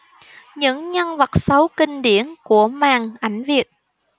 những nhân vật xấu kinh điển của màn ảnh việt